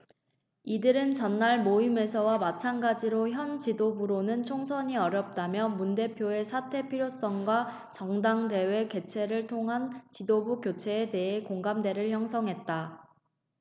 이들은 전날 모임에서와 마찬가지로 현 지도부로는 총선이 어렵다며 문 대표의 사퇴 필요성과 전당대회 개최를 통한 지도부 교체에 대해 공감대를 형성했다